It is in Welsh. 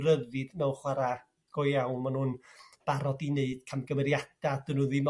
ryddid mewn chwara' go iawn ma'n nhw'n barod i neud camgymeriada', 'dyn nhw ddim